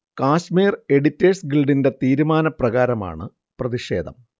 Kashmir editors ഗിൽഡിന്റെ തീരുമാനപ്രകാരമാണ് പ്രതിഷേധം